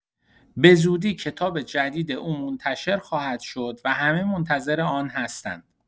بزودی کتاب جدید او منتشر خواهد شد و همه منتظر آن هستند.